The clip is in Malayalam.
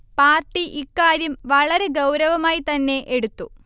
പാർട്ടി ഇക്കാര്യം വളരെ ഗൗരവമായി തന്നെ എടുത്തു